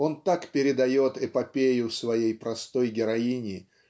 Он так передает эпопею своей простой героини